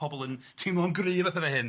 Ma' pobl yn teimlo'n gryf am pethe hyn,